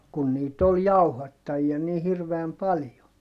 kun niitä oli jauhattajia niin hirveän paljon